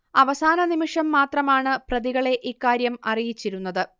അവസാന നിമിഷം മാത്രമാണ് പ്രതികളെ ഇക്കാര്യം അറിയിച്ചിരുന്നത്